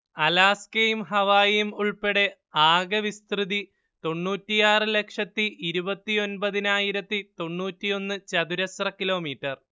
അലാസ്കയും ഹാവായിയും ഉൾപ്പെടേ ആകെ വിസ്തൃതി തൊണ്ണൂറ്റിയാറ് ലക്ഷത്തിയിരുപത്തിയൊമ്പത്തിയായിരത്തി തൊണ്ണൂറ്റിയൊന്ന് ചതുരശ്ര കിലോമീറ്റർ